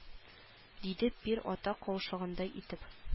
Диде пир ата каушагандай итеп